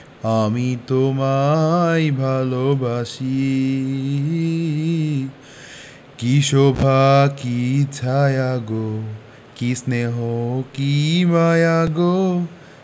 আমি তোমায় ভালোবাসি কী শোভা কী ছায়া গো কী স্নেহ কী মায়া গো